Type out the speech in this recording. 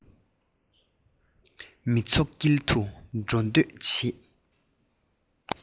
མི ཚོགས དཀྱིལ དུ འགྲོ སྡོད བྱེད